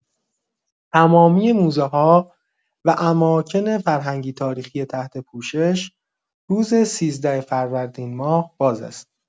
تمامی موزه‌ها و اماکن فرهنگی‌تاریخی تحت پوشش، روز ۱۳ فروردین‌ماه باز است.